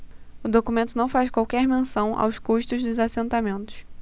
o documento não faz qualquer menção aos custos dos assentamentos